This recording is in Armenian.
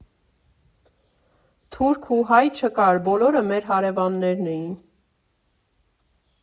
Թուրք ու հայ չկար, բոլորը մեր հարևաններն էին։